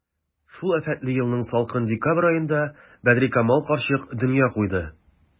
Шул афәтле елның салкын декабрь аенда Бәдрикамал карчык дөнья куйды.